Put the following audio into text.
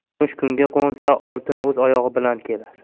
kumush kunga qo'nsa oltin o'z oyog'i bilan kelar